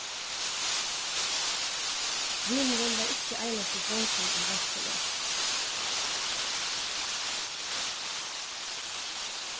vinurin var ikki einasti drongur í veitsluni